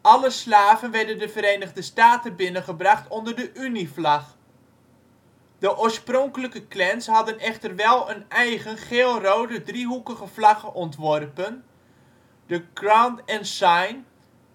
Alle slaven werden de Verenigde Staten binnengebracht onder de Unievlag. De oorspronkelijke Klans hadden echter wel een eigen geel-rode driehoekige vlag ontworpen, de Grand Ensign,